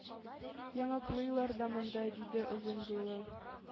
Яңаклыйлар да монда,- диде озын буйлы,